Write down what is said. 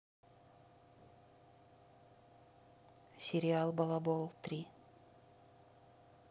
сериал балабол три